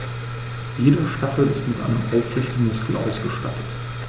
Jeder Stachel ist mit einem Aufrichtemuskel ausgestattet.